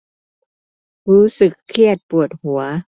รู้สึกเครียดปวดหัว